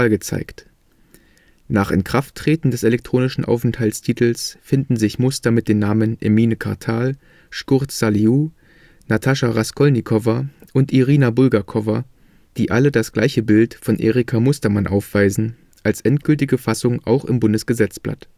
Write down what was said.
gezeigt. Nach Inkrafttreten des elektronischen Aufenthaltstitels finden sich Muster mit den Namen Emine Kartal, Shkurte Salihu, Natasha Raskolnikowa und Irina Bulgakowa, die alle das gleiche Bild von Erika Mustermann aufweisen, als endgültige Fassung auch im Bundesgesetzblatt